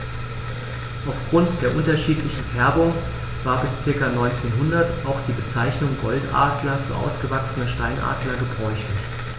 Auf Grund der unterschiedlichen Färbung war bis ca. 1900 auch die Bezeichnung Goldadler für ausgewachsene Steinadler gebräuchlich.